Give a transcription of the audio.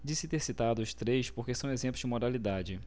disse ter citado os três porque são exemplos de moralidade